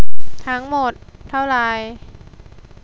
ทั้งหมดเท่าไหร่